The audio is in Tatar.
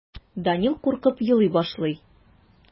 Данил куркып елый башлый.